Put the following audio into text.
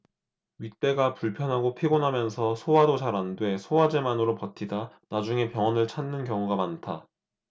윗배가 불편하고 피곤하면서 소화도 잘 안 돼 소화제만으로 버티다 나중에 병원을 찾는 경우가 많다